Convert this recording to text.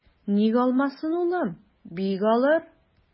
Ник алмасын, улым, бик алыр.